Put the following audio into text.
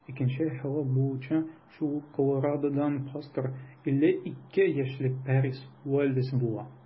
Икенче һәлак булучы шул ук Колорадодан пастор - 52 яшьлек Пэрис Уоллэс була.